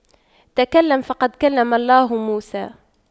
تكلم فقد كلم الله موسى